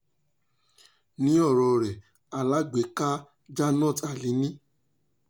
Ni ọ̀rọ̀ọ rẹ̀ alágbèékáa Jannat Ali ní: